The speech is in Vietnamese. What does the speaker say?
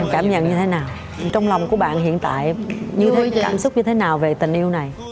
cảm nhận như thế nào trong lòng của bạn hiện tại những cảm xúc như thế nào về tình yêu này